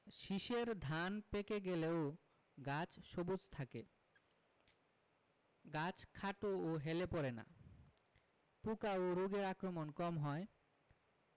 শীষের ধান পেকে গেলেও গাছ সবুজ থাকে গাছ খাটো ও হেলে পড়ে না পোকা ও রোগে আক্রমণ কম হয়